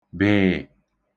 bị̀ị̀